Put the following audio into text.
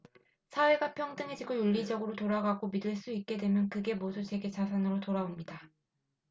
사회가 평등해지고 윤리적으로 돌아가고 믿을 수 있게 되면 그게 모두 제게 자산으로 돌아옵니다